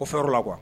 Coiffeur la quoi